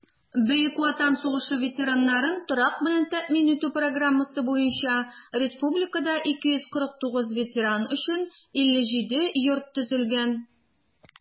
Бөек Ватан сугышы ветераннарын торак белән тәэмин итү программасы буенча республикада 249 ветеран өчен 57 йорт төзелгән.